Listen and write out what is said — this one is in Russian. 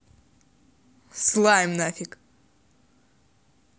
slime нафиг